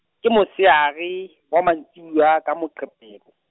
ke motsheare, wa mantsiboya ka Moqebelo.